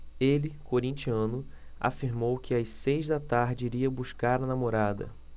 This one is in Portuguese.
ele corintiano afirmou que às seis da tarde iria buscar a namorada